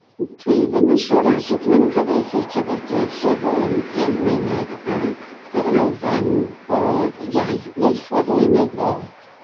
dwi ddim yn siŵr iawn sud ma' nw'n cyfieithu tafodiaith Sir Fôn i Almaeneg ac yr elfen o iaith ieithwedd lenyddol.